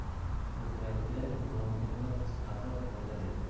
ko'kragida uyg'ongan bir his nafrat uyg'otar edi